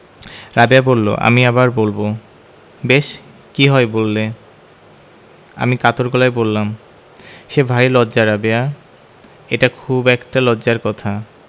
রাবেয়া বললো আমি আবার বলবো বেশ কি হয় বললে আমি কাতর গলায় বললাম সে ভারী লজ্জা রাবেয়া এটা খুব একটা লজ্জার কথা